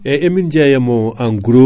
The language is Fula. eyyi emin jeyamo en gro